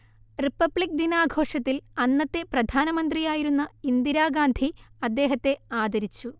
republic ദിനാഘോഷത്തിൽ അന്നത്തെ പ്രധാനമന്ത്രിയായിരുന്ന ഇന്ദിരാഗാന്ധി അദ്ദേഹത്തെ ആദരിച്ചു